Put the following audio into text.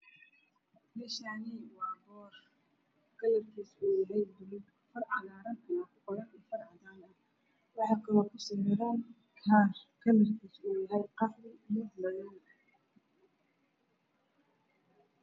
Meeshaan waa boor kalarkiisu waa buluug ah. Far cagaaran ah iyo far cadaan ah ayaa kuqoran waxaa kusawiran kaar qaxwi ah iyo madow.